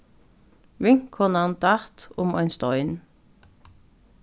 vinkonan datt um ein stein